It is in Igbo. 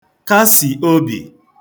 kasì obì